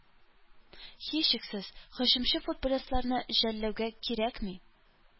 Һичшиксез һөҗүмче футболистларны жәллэүгә кирәкми.